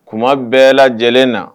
Tuma bɛɛ lajɛlen na.